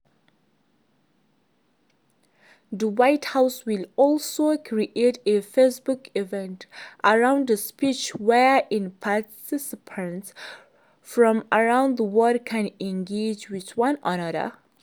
The White House will also create a Facebook “event” around the speech wherein participants from around the world can engage with one another.